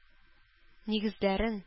Нигезләрен